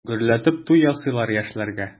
Гөрләтеп туй ясыйлар яшьләргә.